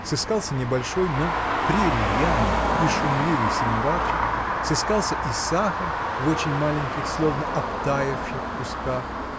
сыскался небольшой, но прерьяный и шумливый самоварчик, сыскался и сахар в очень маленьких, словно обтаявших кусках.